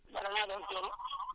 na nga def *